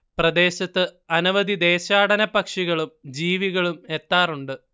പ്രദേശത്ത് അനവധി ദേശാടന പക്ഷികളും ജീവികളും എത്താറുണ്ട്